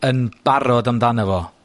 ...yn barod amdano fo?